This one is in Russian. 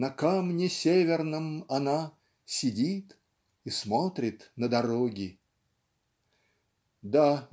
На камне северном она Сидит и смотрит на дороги. Да